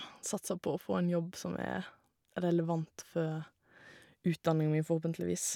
Satser på å få en jobb som er relevant for utdanninga mi, forhåpentligvis.